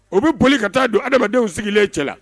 O bɛ boli ka taa don adamadamadenw sigilen cɛla la